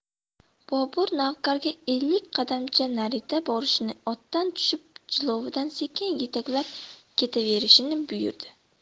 bobur navkarga ellik qadamcha nariga borishni otdan tushib jilovidan sekin yetaklab ketaverishni buyurdi